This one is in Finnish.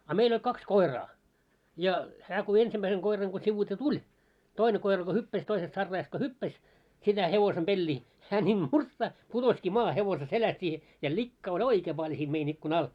a meillä oli kaksi koiraa ja hän kun ensimmäisen koiran kun sivuitse tuli toinen koira kun hyppäsi toisesta sarraajasta kun hyppäsi sitä hevosen peliä hän niin murtsahti putosikin maahan hevosen selästä - ja likkaa oli oikein paljon siinä meidän ikkunan alla